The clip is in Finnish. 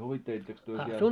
huvittelitteko te siellä